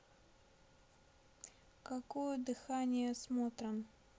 какую дыхание smotron